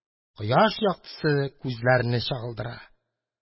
Кояш яктысы күзләрне чагылдыра.